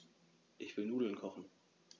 Ich will Nudeln kochen.